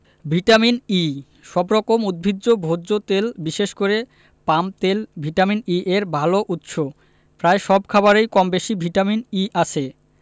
vitamin E সব রকম উদ্ভিজ্জ ভোজ্য তেল বিশেষ করে পাম তেল ভিটামিন ই এর ভালো উৎস প্রায় সব খাবারেই কমবেশি ভিটামিন ই আছে